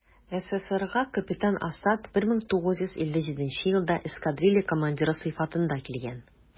СССРга капитан Асад 1957 елда эскадрилья командиры сыйфатында килгән.